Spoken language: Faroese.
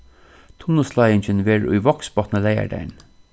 tunnusláingin verður í vágsbotni leygardagin